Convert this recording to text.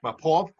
Ma' pob